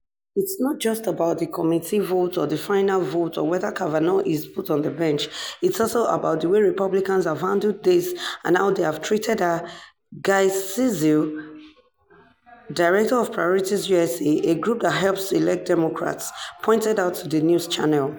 "It's just not about the committee vote or the final vote or whether Kavanaugh is put on the bench, it's also about the way Republicans have handled this and how they have treated her," Guy Cecil, director of Priorities USA, a group that helps to elect Democrats, pointed out to the news channel.